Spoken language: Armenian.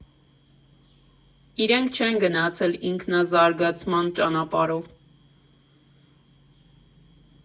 Իրենք չեն գնացել ինքնազարգացման ճանապարհով։